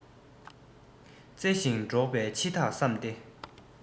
བརྩེ ཞིང འགྲོགས པའི ཕྱི ཐག བསམ སྟེ